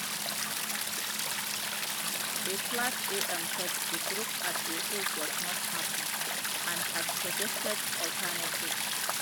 A Plaid AM said the group as a whole was "not happy" and has suggested alternatives.